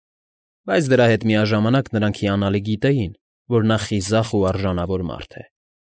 Բայց դրա հետ միաժամանակ նրանք հիանալի գիտեին, որ նա խիզախ ու արժանավոր մարդ է։